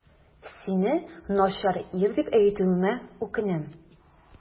Сине начар ир дип әйтүемә үкенәм.